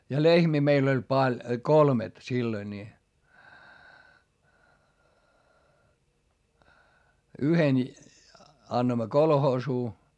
ja lehmiä meillä oli paljon kolmet silloin niin yhden annoimme kolhoosiin